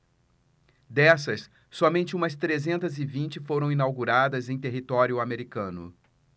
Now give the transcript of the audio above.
dessas somente umas trezentas e vinte foram inauguradas em território americano